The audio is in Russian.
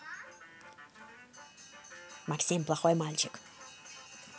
максим плохой мальчик